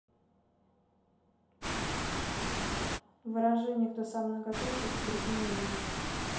выражение кто сам многоточие под другим не верит